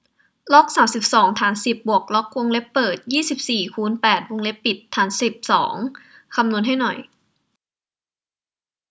ล็อกสามสิบสองฐานสิบบวกล็อกวงเล็บเปิดยี่สิบสี่คูณแปดวงเล็บปิดฐานสิบสองคำนวณให้หน่อย